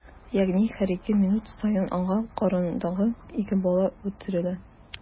Ягъни һәр ике минут саен ана карынындагы ике бала үтерелә.